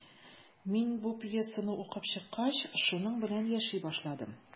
Мин бу пьесаны укып чыккач, шуның белән яши башладым.